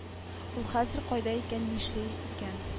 Ул хәзер кайда икән нишли икән